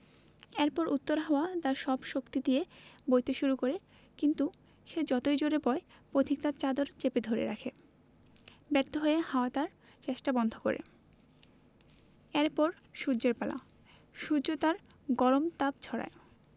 এরপর উত্তর হাওয়া তার সব শক্তি দিয়ে বইতে শুরু করে কিন্তু সে যতই জোড়ে বয় পথিক তার চাদর চেপে ধরে রাখে ব্যর্থ হয়ে হাওয়া তার চেষ্টা বন্ধ করে এর পর সূর্যের পালা সূর্য তার গরম তাপ ছড়ায়